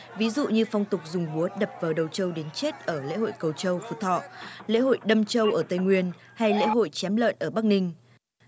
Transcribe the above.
ví dụ như phong tục dùng búa đập vào đầu trâu đến chết ở lễ hội cầu trâu phú thọ lễ hội đâm trâu ở tây nguyên hay lễ hội chém lợn ở bắc ninh